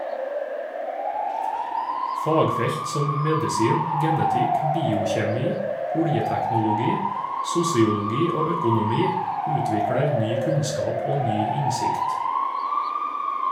Fagfelt som medisin, genetikk, biokjemi, oljeteknologi, sosiologi og økonomi utvikler ny kunnskap og ny innsikt.